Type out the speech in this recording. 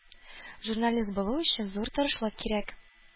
Журналист булу өчен зур тырышлык кирәк.